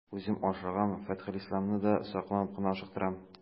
Үзем ашыгам, Фәтхелисламны да сакланып кына ашыктырам.